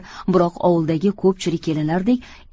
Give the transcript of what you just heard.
biroq ovuldagi ko'pchilik kelinlardek